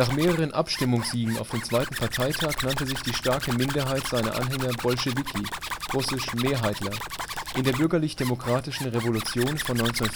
mehreren Abstimmungssiegen auf dem II. Parteitag nannte sich die (starke) Minderheit seiner Anhänger „ Bolschewiki “(russisch: „ Mehrheitler “). In der bürgerlich-demokratischen Revolution von 1905